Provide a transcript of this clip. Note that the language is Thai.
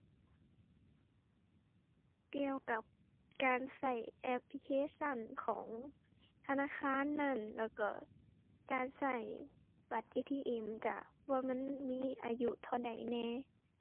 เกี่ยวกับการใช้แอปพลิเคชันของธนาคารนั้น แล้วก็การใช้บัตร ATM จ้า ว่ามันมีอายุเท่าใดแหน่